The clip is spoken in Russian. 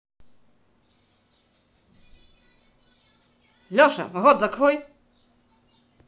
леша рот закрой